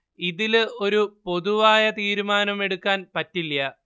ഇതില് ഒരു പൊതുവായ തീരുമാനം എടുക്കാന്‍ പറ്റില്യ